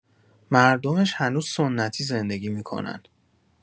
مردمش هنوز سنتی زندگی می‌کنن.